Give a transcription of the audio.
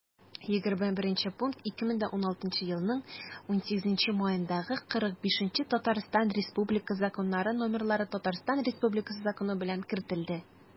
21 пункт 2016 елның 18 маендагы 45-трз номерлы татарстан республикасы законы белән кертелде